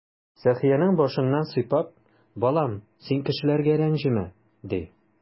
Сәхиянең башыннан сыйпап: "Балам, син кешеләргә рәнҗемә",— ди.